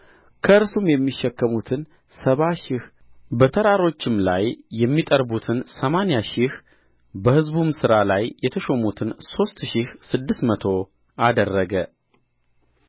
ከእነርሱም የሚሸከሙትን ሰባ ሺህ በተራሮችም ላይ የሚጠርቡትን ሰማንያ ሺህ በሕዝቡም ሥራ ላይ የተሾሙትን ሦስት ሺህ ስድስት መቶ አደረገ